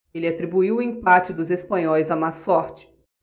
ele atribuiu o empate dos espanhóis à má sorte